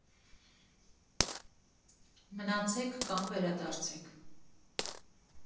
Մնացեք կամ վերադարձեք։